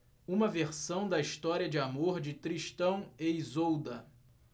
uma versão da história de amor de tristão e isolda